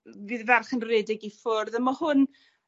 f- fydd ferch yn redeg i ffwrdd. A ma' hwn